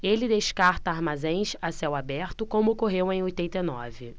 ele descarta armazéns a céu aberto como ocorreu em oitenta e nove